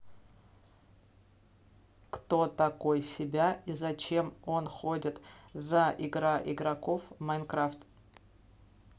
кто такой себя и зачем он ходит за игра игроков в minecraft